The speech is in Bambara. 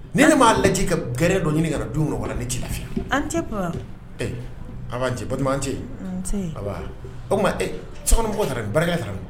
Ni ne m'a lajɛ ka gɛrɛ dɔ ɲini ka na du mɔgɔ ni ci lafi an tɛ an b'an cɛ balima cɛ o sokɔnɔmɔgɔ taara nin barikakɛ taara